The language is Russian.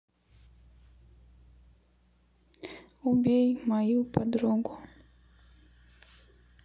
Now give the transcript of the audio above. убей мою подругу